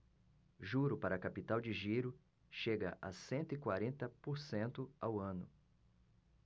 juro para capital de giro chega a cento e quarenta por cento ao ano